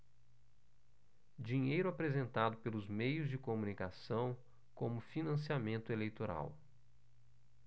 dinheiro apresentado pelos meios de comunicação como financiamento eleitoral